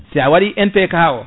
si a waɗi MPK o